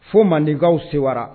Fo mandenkaw se wa